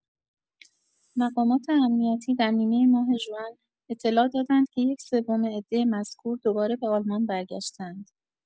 مقامات امنیتی در نیمه ماه ژوئن اطلاع دادند که یک‌سوم عده مذکور دوباره به آلمان برگشته‌اند.